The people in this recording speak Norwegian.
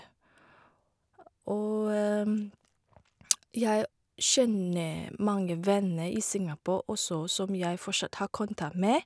Og jeg kjenner mange venner i Singapore også, som jeg fortsatt har kontakt med.